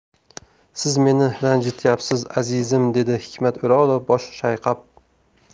siz meni ranjityapsiz azizim dedi hikmat o'rolov bosh chayqab